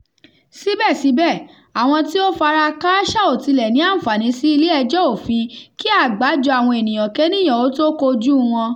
Síbẹ̀síbẹ̀, àwọn tí ó fara kááṣá ò tilẹ̀ ní àǹfààní sí ilé-ẹjọ́ òfin kí àgbájọ-àwọn-ènìyànkéènìà ó tó kojúu wọn.